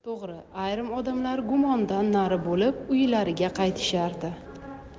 to'g'ri ayrim odamlar gumondan nari bo'lib uylariga qaytishardi